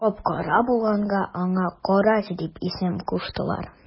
Кап-кара булганга аңа карач дип исем куштылар.